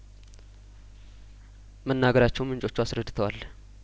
መናገራቸውን ምንጮቹ አስረድተዋል